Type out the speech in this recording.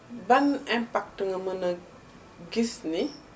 ban impact nga mën a gis ni